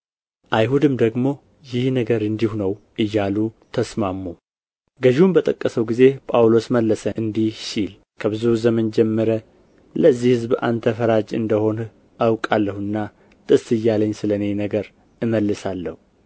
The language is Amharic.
አይሁድም ደግሞ ይህ ነገር እንዲሁ ነው እያሉ ተስማሙ ገዡም በጠቀሰው ጊዜ ጳውሎስ መለሰ እንዲህ ሲል ከብዙ ዘመን ጀምረህ ለዚህ ሕዝብ አንተ ፈራጅ እንደ ሆንህ አውቃለሁና ደስ እያለኝ ስለ እኔ ነገር እመልሳለሁ